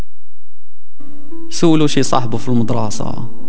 سولفي صاحبه في المدرسه